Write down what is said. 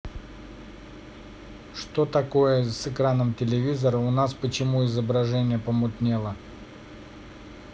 что такое с экраном телевизора у нас почему изображение помутнело